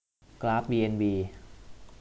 กราฟบีเอ็นบี